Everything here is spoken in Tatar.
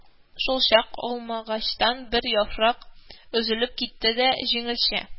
Шулчак алмагачтан бер яфрак өзелеп китте дә, җиңелчә